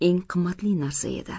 eng qimmatli narsa edi